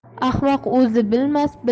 ahmoq o'zi bilmas